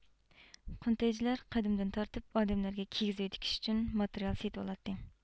قۇنتەيجىلەر قەدىمدىن تارتىپ ئادەملەرگە كىگىز ئۆي تىكىش ئۈچۈن ماتېرىيال سېتىۋالاتتى